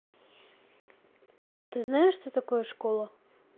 а ты знаешь что такое школа